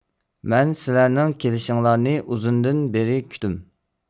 مەن سىلەرنىڭ كېلىشىڭلارنى ئۇزۇندىن بېرى كۈتتۈم